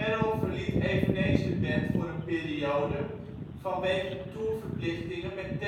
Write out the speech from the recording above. verliet eveneens de band voor een periode, vanwege tourverplichtingen met